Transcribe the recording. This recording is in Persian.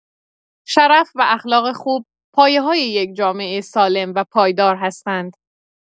شرف و اخلاق خوب، پایه‌های یک جامعه سالم و پایدار هستند.